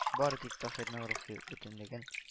Бары тик таһирның рухи бөтенлеген